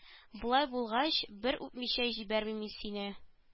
Болай булгач бер үпмичә җибәрмим мин сине